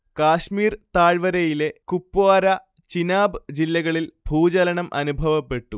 കാശ്മീർ താഴ്വരയിലെ കുപ്വാര, ചിനാബ് ജില്ലകളിൽ ഭൂചലനം അനുഭവപ്പെട്ടു